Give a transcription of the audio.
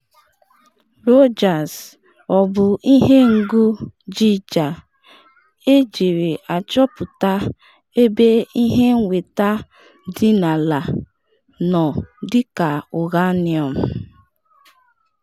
Rogers: “Ọ bụ ihe Ngụ Geiger, ejiri achọpụta ebe ihe nnweta dị n’ala nọ dịka uranium.